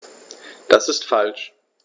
Das ist falsch.